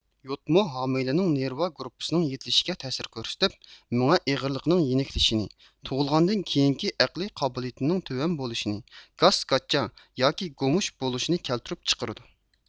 يودمۇ ھامىلىنىڭ نېرۋا گۇرۇپپىسىنىڭ يېتىلىشىگە تەسىر كۆرسىتىپ مېڭە ئېغىرلىقىنىڭ يېنىكلىشىنى تۇغۇلغاندىن كېيىنكى ئەقلىي قابىلىيىتىنىڭ تۆۋەن بولۇشىنى گاس گاچا ياكى گومۇش بولۇشىنى كەلتۈرۈپ چىقىرىدۇ